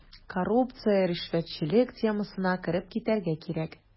Коррупция, ришвәтчелек темасына кереп китәргә кирәк.